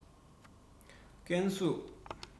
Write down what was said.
ཀན སུའུ